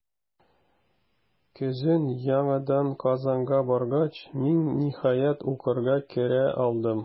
Көзен яңадан Казанга баргач, мин, ниһаять, укырга керә алдым.